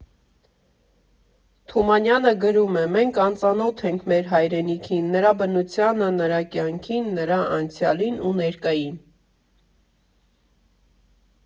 Թումանյանը գրում է՝ «Մենք անծանոթ ենք մեր հայրենիքին, նրա բնությանը, նրա կյանքին, նրա անցյալին ու ներկային։